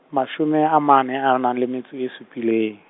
mashome a mane a nang le metso e supileng.